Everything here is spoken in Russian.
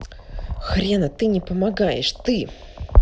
хрена ты не помогаешь ты